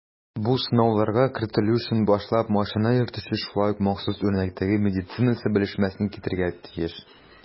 Бу сынауларга кертелү өчен башлап машина йөртүче шулай ук махсус үрнәктәге медицинасы белешмәсен китерергә тиеш.